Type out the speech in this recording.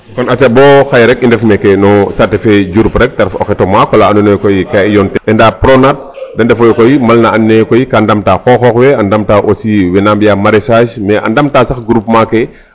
kon aca bo xaye rek i ndef no no saate fe Diouroup rek ta ref o xet o maak ola andoona yee koy ka i yoon teen ENDA PRONAT da ndefooyo koy mal na andoona yee koy ka ndamta xooxoox we a ndamta aussi we naa mbi'aa maraichage mais ndamta sax groupement ke.